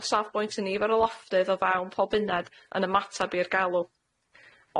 o safbwynt nifer oi lofftydd o fewn pob uned yn ymatab i'r galw.